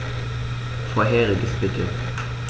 Vorheriges bitte.